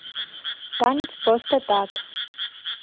танец просто так